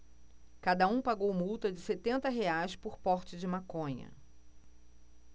cada um pagou multa de setenta reais por porte de maconha